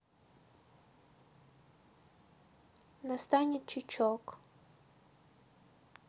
настанет чечок